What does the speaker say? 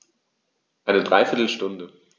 Eine dreiviertel Stunde